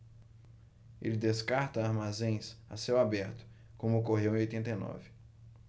ele descarta armazéns a céu aberto como ocorreu em oitenta e nove